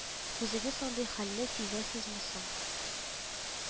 Үзегез андый хәлне сизәсезме соң